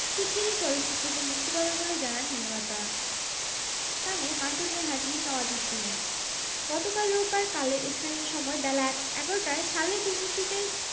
short film বিভাগে প্রদর্শিত হবে কালো মেঘের ভেলায় ও দাগ নামের দুটি স্বল্পদৈর্ঘ চলচ্চিত্র উল্লেখ্য এর আগে ৭ম সার্ক চলচ্চিত্র উৎসব ২০১৭ তে